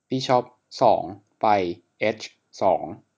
บิชอปสองไปเอชสอง